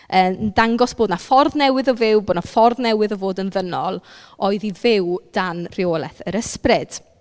Yn dangos bod 'na ffordd newydd o fyw, bod 'na ffordd newydd o fod yn ddynol oedd i fyw dan reolaeth yr ysbryd.